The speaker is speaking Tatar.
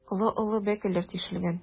Олы-олы бәкеләр тишелгән.